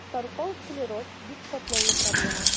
Таркау склероз – бик катлаулы проблема.